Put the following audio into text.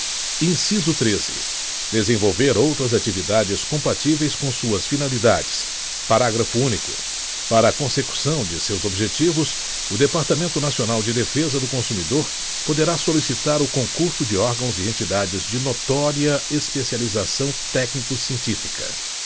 inciso treze desenvolver outras atividades compatíveis com suas finalidades parágrafo único para a consecução de seus objetivos o departamento nacional de defesa do consumidor poderá solicitar o concurso de órgãos e entidades de notória especialização técnicocientífica